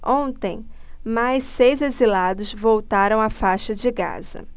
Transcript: ontem mais seis exilados voltaram à faixa de gaza